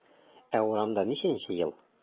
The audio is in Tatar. Ә урамда ничәнче ел?